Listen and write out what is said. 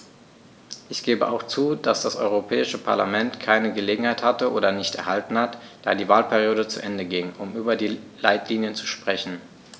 Ich gebe auch zu, dass das Europäische Parlament keine Gelegenheit hatte - oder nicht erhalten hat, da die Wahlperiode zu Ende ging -, um über die Leitlinien zu sprechen.